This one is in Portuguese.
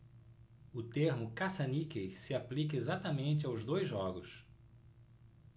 o termo caça-níqueis se aplica exatamente aos dois jogos